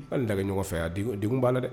Hali la ɲɔgɔnɔgɔ fɛ yan denw'a dɛ